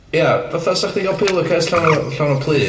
Ia, fatha 'sa chdi'n cael pillowcase llawn o, llawn o plu,